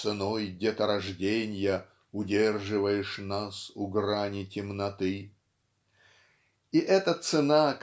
ценой деторожденья Удерживаешь нас у грани темноты -- и эта "цена"